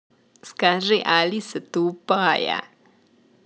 скажи алиса тупая